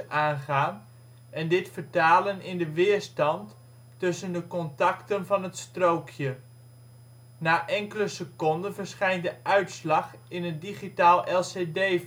aangaan en dit vertalen in de weerstand tussen de contacten van het strookje. Na enkele seconden verschijnt de uitslag in een digitaal lcd-venster